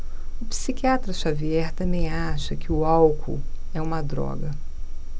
o psiquiatra dartiu xavier também acha que o álcool é uma droga